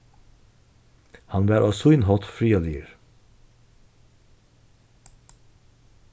hann var á sín hátt friðarligur